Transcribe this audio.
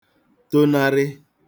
tonarị